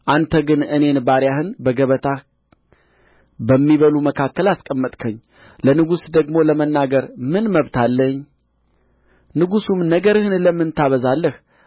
አንተ ግን እኔን ባሪያህን በገበታህ በሚበሉ መካከል አስቀመጥኸኝ ለንጉሥ ደግሞ ለመናገር ምን መብት አለኝ ንጉሡም ነገርህን ለምን ታበዛለህ